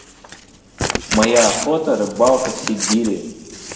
моя охота рыбалка в сибири